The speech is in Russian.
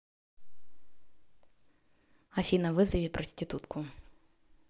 афина вызови проститутку